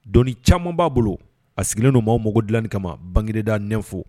Don caman b'a bolo a sigilen u ma mako dilanni kama banda nɛnfo